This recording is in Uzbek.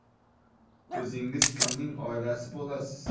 o'zingiz kimning oilasi bo'lasiz